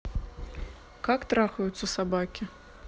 ну как трахаются собаки